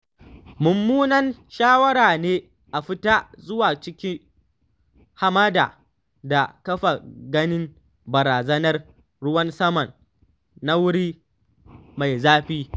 Mummunan shawara ne a fita zuwa cikin hamada da kafa ganin barazanar ruwan saman na wuri mai zafin.